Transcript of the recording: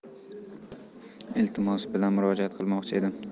iltimos bilan murojaat qilmoqchi edim